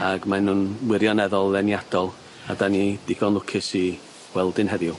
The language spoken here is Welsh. Ag mae nw'n wirioneddol ddeniadol a 'den ni digon lwcus i gweld un heddiw.